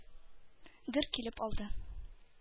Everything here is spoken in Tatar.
Гөр килеп алды.